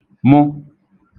mụ